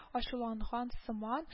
Ачуланган сыман